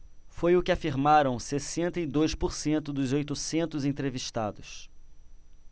foi o que afirmaram sessenta e dois por cento dos oitocentos entrevistados